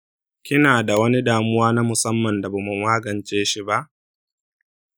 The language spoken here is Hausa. kina da wani damuwa na musamman da bamu magance shi ba?